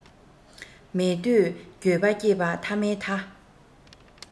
མེད དུས འགྱོད པ སྐྱེས པ ཐ མའི ཐ